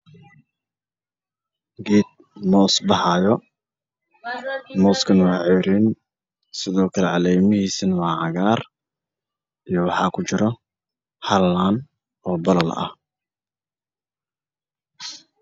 Waa geed moos ah oo baxaayo